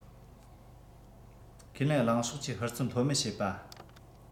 ཁས ལེན གླིང ཕྱོགས ཀྱིས ཧུར བརྩོན ལྷོད མེད བྱེད པ